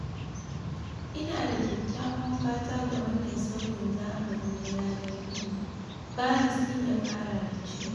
Ina da kyakyawan fata ga wannan sauyin zamani na yanar gizo, “berners -lee ya kara da cewa.